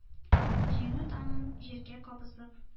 Җиңү таңын җиргә кабызып,